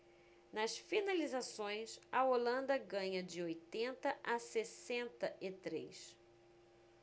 nas finalizações a holanda ganha de oitenta a sessenta e três